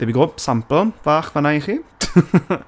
There we go, sampl fach fan'na i chi .